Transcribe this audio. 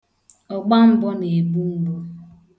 Ọgbambọ na-egbu mgbu.